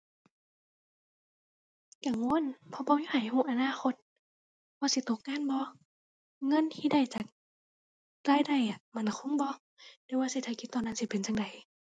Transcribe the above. กังวลเพราะบ่มีไผรู้อนาคต ว่าสิตกงานบ่ เงินที่ได้จากรายได้อะ มั่นคงบ่ หรือว่าเศรษฐกิจตอนนั้นสิเป็นจั่งใด